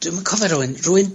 dwi'm cofi rŵan, rywun...